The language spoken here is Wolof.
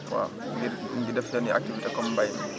waaw ngir di def seen i activités comme mbay mi